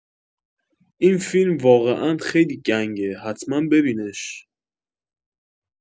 این فیلم واقعا خیلی گنگه حتما ببینش